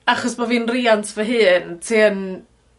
Achos bo' fi'n riant fy hun ti yn